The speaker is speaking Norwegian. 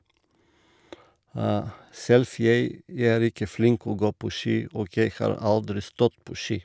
Selv, jeg jeg er ikke flink å gå på ski, og jeg har aldri stått på ski.